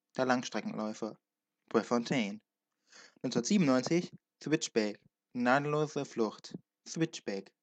Der Langstreckenläufer (Prefontaine) 1997: Switchback – Gnadenlose Flucht (Switchback